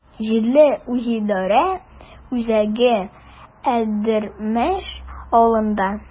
Җирле үзидарә үзәге Әлдермеш авылында.